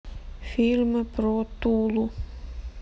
фильмы про тулу